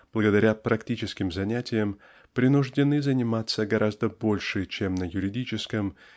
благодаря практическим занятиям принуждены заниматься гораздо больше чем на юридическом